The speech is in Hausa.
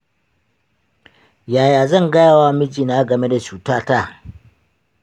yaya zan gaya wa mijina game da cutata?